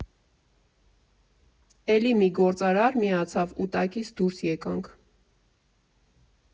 Էլի մի գործարար միացավ ու տակից դուրս եկանք։